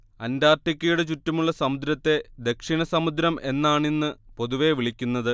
അന്റാർട്ടിക്കയുടെ ചുറ്റുമുള്ള സമുദ്രത്തെ ദക്ഷിണസമുദ്രം എന്നാണിന്ന് പൊതുവേ വിളിക്കുന്നത്